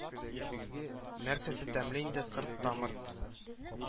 Нәрсәсе тәмле инде, кырт та мырт